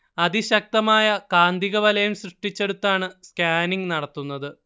അതിശക്തമായ കാന്തിക വലയം സൃഷ്ടിച്ചെടുത്താണ് സ്കാനിങ് നടത്തുന്നത്